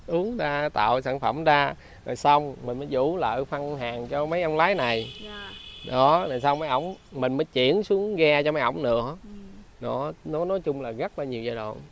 uốn ra tạo sản phẩm ra rồi xong mình mới rũ lại khoan hàng cho mấy ông lái này đó rồi xong mình mới chuyển xuống ghe cho mấy ông nữa đó nói chung là rất nhiều giai đoạn